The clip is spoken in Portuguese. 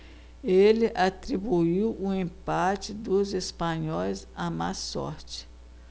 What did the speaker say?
ele atribuiu o empate dos espanhóis à má sorte